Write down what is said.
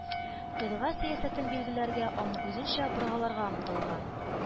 Кыйтга сәясәтен билгеләргә, аны үзенчә боргаларга омтылган